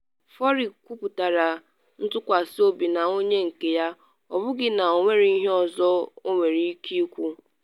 Furyk kwuputara ntụkwasị obi na onye nke ya, ọ bụghị na ọ nwere ihe ọzọ ọ nwere ike ikwu.